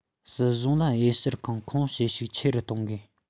སྲིད གཞུང ལ དཔྱད བཤེར ཁང ཁུངས བྱེད ཤུགས ཆེ རུ གཏོང དགོས